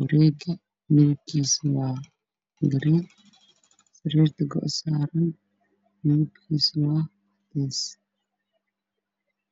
sariir midabkeedu yahay buluug